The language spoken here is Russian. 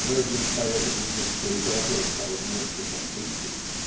разве поэтому немецкая литература стала немецко-французской?